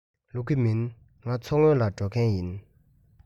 ལོག གི མིན ང མཚོ སྔོན ལ འགྲོ མཁན ཡིན